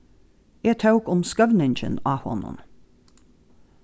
eg tók um skøvningin á honum